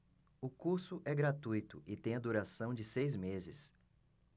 o curso é gratuito e tem a duração de seis meses